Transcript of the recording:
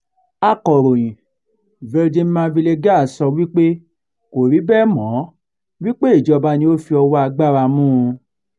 Akọ̀ròyìn Vladimir Villegas sọ wípé kò rí bẹ́ẹ̀ mọ́ wípé ìjọba ni ó fi ọwọ́ agbára mú u: